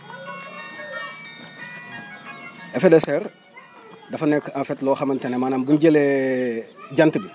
effet de serre dafa nekk en faite loo xamante ne maanaam bu ñu jëlee jant bi